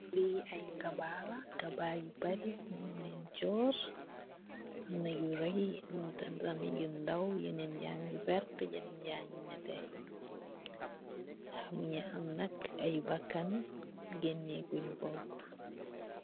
Li ay kabal kaba yu bari nyun len joor amna yu ray am tamit yu ndaw yenen yagi wertah yenen yagi neteh mogi am nak ay bakan gene gung ko.